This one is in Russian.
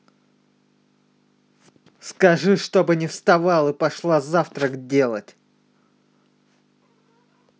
скажи чтобы не вставал и пошла завтрак делать